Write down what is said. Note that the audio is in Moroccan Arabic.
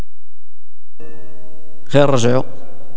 يرجعوا